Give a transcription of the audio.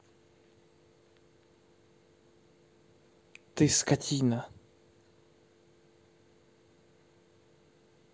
ты скотина